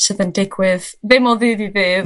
sydd yn digwydd ddim o ddydd i ddydd...